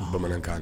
Bamanankan na